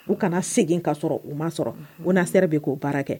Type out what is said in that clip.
U kana segin ka sɔrɔ u ma sɔrɔ u na sera bɛ k'o baara kɛ